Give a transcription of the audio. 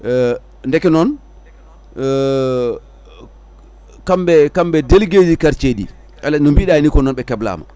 deeke noon kamɓe kamɓe délégué ji quartier ɗi * no mbiɗani ko noon ɓe keblama